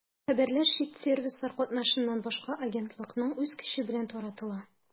Хәбәрләр чит сервислар катнашыннан башка агентлыкның үз көче белән таратыла.